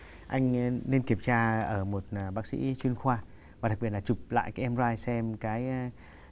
anh nên kiểm tra ở một là bác sĩ chuyên khoa và đặc biệt là chụp lại cái em roai xem cái